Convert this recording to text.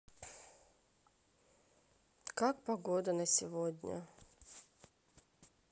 как погода на сегодня